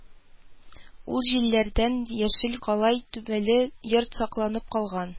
Ул җилләрдән яшел калай түбәле йорт сакланып калган